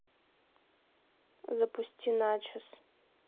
запусти начос